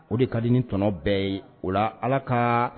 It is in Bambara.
O de kadi ni tɔnɔ bɛɛ ye o la Ala kaa